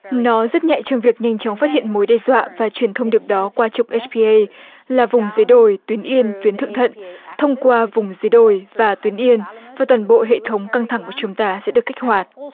nó rất nhạy trong việc nhanh chóng phát hiện mối đe dọa và truyền thông điệp đó qua chụp ích pi ây là vùng dưới đồi tuyến yên tuyến thượng thận thông qua vùng dưới đồi và tuyến yên và toàn bộ hệ thống căng thẳng của chúng ta sẽ được kích hoạt